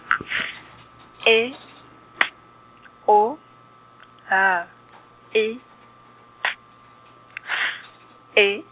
E, T , O, H , E, T, F, E.